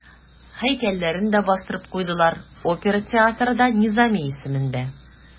Һәйкәлләрен дә бастырып куйдылар, опера театры да Низами исемендә.